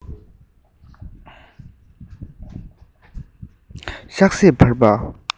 ཤག སེར བབས པ